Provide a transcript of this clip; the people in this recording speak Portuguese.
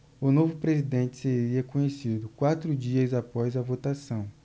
o novo presidente seria conhecido quatro dias após a votação